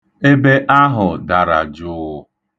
Ebe ahụ dara jụụ.